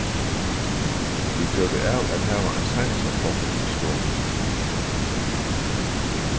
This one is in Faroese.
vit gjørdu av at hava ein seinasta tátt á skránni